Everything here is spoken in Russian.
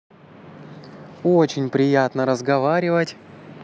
очень приятно разговаривать